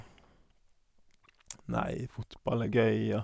Nei, fotball er gøy, og...